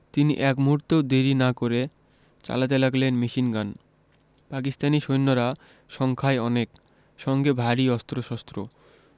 তিনি এক মুহূর্তও দেরি না করে চালাতে লাগলেন মেশিনগান পাকিস্তানি সৈন্যরা সংখ্যায় অনেক সঙ্গে ভারী অস্ত্রশস্ত্র